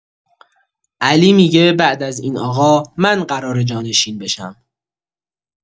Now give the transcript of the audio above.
علی می‌گه بعد از این آقا، من قراره جانشین بشم.